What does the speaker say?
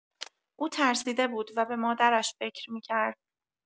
او ترسیده بود و به مادرش فکر می‌کرد.